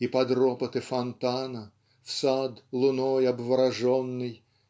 И под ропоты фонтана В сад луной обвороженный